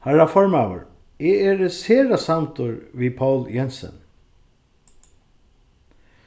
harra formaður eg eri sera samdur við poul jensen